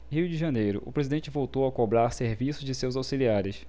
rio de janeiro o presidente voltou a cobrar serviço de seus auxiliares